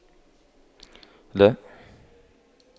لا